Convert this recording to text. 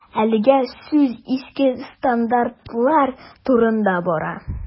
Әлегә сүз иске стандартлар турында бара.